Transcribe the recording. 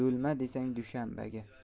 do'lma desang dushanbaga